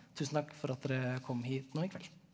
tusen takk for at dere kom hit nå i kveld.